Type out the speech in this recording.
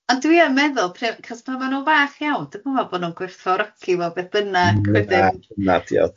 Ond dwi yn meddwl pr- achos pan maen nhw'n fach iawn dwi'm yn meddwl bod nhw'n gwerthfawrogi beth bynnag a wedyn... Na na di o ddim